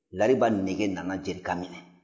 lariba nege nana jerika minɛ